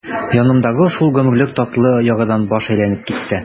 Җанымдагы шул гомерлек татлы ярадан баш әйләнеп китте.